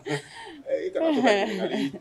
I tɔgɔ